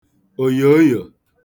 òyòoyò